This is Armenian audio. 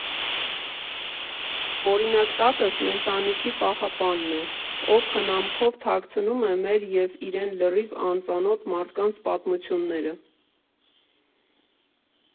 Օրինակ՝ տատս մեր տանիքի պահապանն է, ով խնամքով թաքցնում է մեր և իրեն լրիվ անծանոթ մարդկանց պատմությունները։